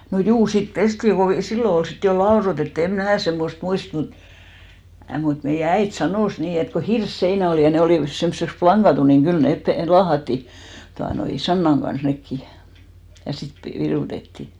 no juu sitten pestiin kun silloin oli sitten jo laudoitettu en minä semmoista muista - mutta meidän äiti sanoi niin että kun hirsiseinä oli ja ne olivat semmoiseksi lankatut niin kyllä ne - laahattiin tuota noin sannan kanssa nekin ja sitten - virutettiin